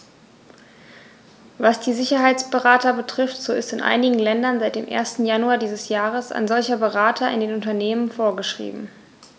Was die Sicherheitsberater betrifft, so ist in einigen Ländern seit dem 1. Januar dieses Jahres ein solcher Berater in den Unternehmen vorgeschrieben.